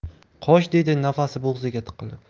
qoch dedi nafasi bo'g'ziga tiqilib